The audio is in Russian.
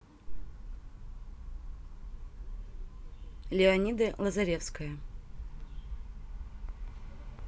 леониде лазаревская